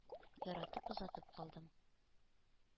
Яратып озатып калдым...